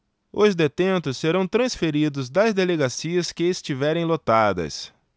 os detentos serão transferidos das delegacias que estiverem lotadas